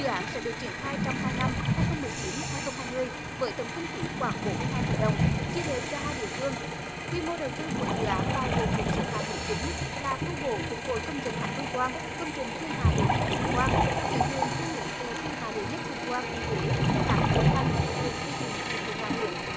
dự án sẽ được triển khai trong hai năm hai không mười chín hai không hai mươi với tổng kinh phí khoảng bốn mươi hai tỷ đồng chia đều cho hai địa phương quy mô đầu tư của dự án bao gồm một số hạng mục chính là tu bổ phục hồi công trình hải vân quan công trình thiên hà đệ nhất hồng quang tuyến đường thiên lý từ thiên hà đệ nhất hồng quan đi huế các tường thành được xây dựng từ thời nhà nguyễn